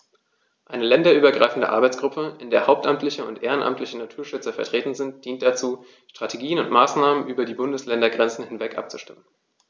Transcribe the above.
Eine länderübergreifende Arbeitsgruppe, in der hauptamtliche und ehrenamtliche Naturschützer vertreten sind, dient dazu, Strategien und Maßnahmen über die Bundesländergrenzen hinweg abzustimmen.